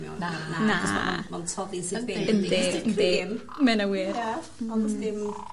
Na. Na. Achos ma' o'n ma' o'n toddi syth bin. Yndi yndi yndi. Ma' ynna wir. Ia. Ond dim...